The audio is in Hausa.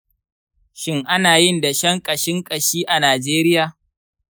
shin ana yin dashen ƙashin ƙashi a najeriya?